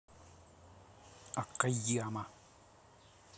окаяма